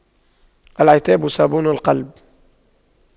العتاب صابون القلب